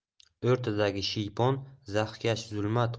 o'rtadagi shiypon zaxkash zulmat